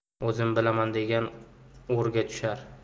o'zim bilaman degan o'rga tushar